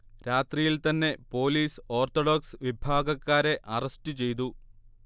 രാത്രിയിൽതന്നെ police orthodox വിഭാഗക്കാരെ arrest ചെയ്തു